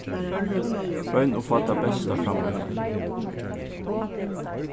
royn og fá tað besta fram í honum